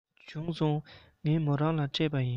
བྱུང སོང ངས མོ རང ལ སྤྲད པ ཡིན